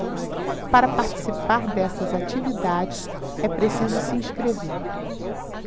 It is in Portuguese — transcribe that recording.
para participar dessas atividades é preciso se inscrever